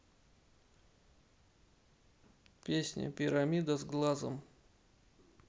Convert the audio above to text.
песня пирамида с глазом